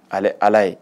Ale ala ye